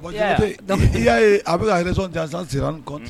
I y'a ye a bɛ